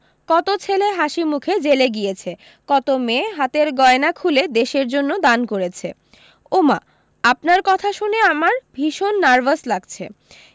কত ছেলে হাসি মুখে জেলে গিয়েছে কত মেয়ে হাতের গয়না খুলে দেশের জন্য দান করেছে ওমা আপনার কথা শুনে আমার কিন্তু ভীষণ নার্ভাস লাগছে